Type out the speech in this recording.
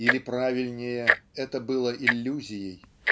или, правильнее, это было иллюзией